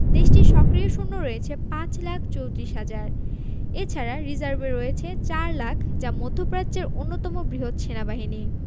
দেশটির সক্রিয় সৈন্য রয়েছে ৫ লাখ ৩৪ হাজার এ ছাড়া রিজার্ভে রয়েছে ৪ লাখ যা মধ্যপ্রাচ্যের অন্যতম বৃহৎ সেনাবাহিনী